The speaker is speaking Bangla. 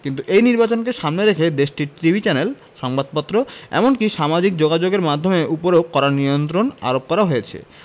কিন্তু এই নির্বাচনকে সামনে রেখে দেশটির টিভি চ্যানেল সংবাদপত্র এমনকি সামাজিক যোগাযোগের মাধ্যমের উপরেও কড়া নিয়ন্ত্রণ আরোপ করা হয়েছে